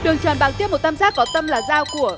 đường tròn bàng tiếp một tam giác có tâm là giao của